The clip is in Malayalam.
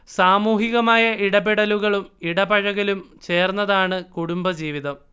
സാമൂഹികമായ ഇടപെടലുകളും ഇടപഴകലും ചേർന്നതാണ് കുടുംബജീവിതം